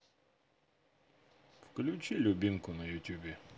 включи любимку на ютубе